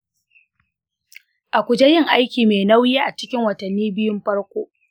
a guji yin aiki mai nauyi a cikin watanni biyun farko.